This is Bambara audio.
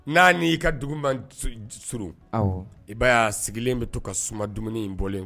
N'a n'i ka dugu man s i ba y'a sigilen bɛ to ka tasuma dumuni in bɔlen